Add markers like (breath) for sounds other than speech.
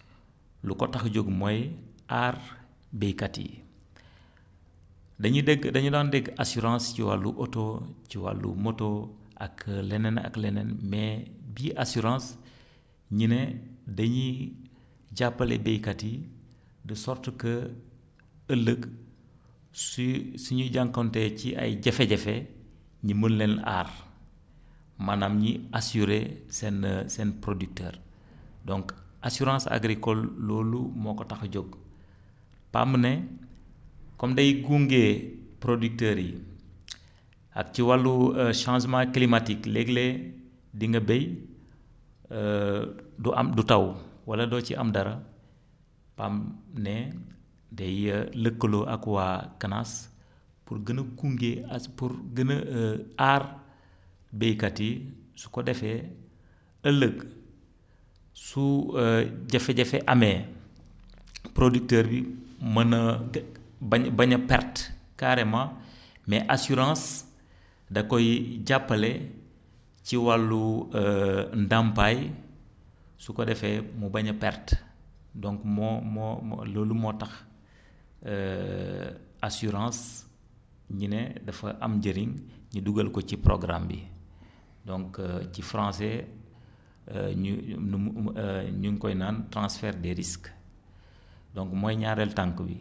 (smacks lips) lu ko tax a jóg mooy aar baykat yi (breath) dañuy dégg dañu daan dégg assurance ci wàllu oto ci wàllu moto ak leneen ak leneen mais bii assurance (breath) ñi ne dañuy jàppale baykat yi de sorte que ëllëg suy suñuy jànkuwante ci ay jafe-jafe ñu mën leen aar maanaam ñu assuré seen (hesitation) seen producteur donc assurance agricole loolu moo ko tax a jóg PAM ne comme day gunge producteur yi (smacks lips) ak ci wàllu (hesitation) changement climatique léeg-léeg di nga bay (hesitation) du am du taw wala doo ci am dara PAM ne day (hesitation) lëkkaloo ak waa CANAS pour gën a gunge as pour gën a (hesitation) aar baykat yi su ko defee ëllëg su (hesitation) jafe-jafe amee (smacks lips) producteur bi mën a gë bañ bañ a perte carrément (breath) mais assurance da koy jàppale ci wàllu (hesitation) ndàmpaay su ko defee mu bañ a perte donc moo moo moo loolu moo tax (inhales) (hesitation) assurance ñu ne dafa am njëriñ ñu dugal ko ci programme bi (inhales) (hesitation) ci français (hesitation) ñuy nu mu mu (hesitation) ñu ngi koy naan transfert des risques (breath) donc mooy ñaareelu tànk bi